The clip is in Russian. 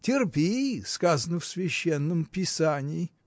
Терпи, сказано в священном писании.